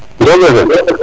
*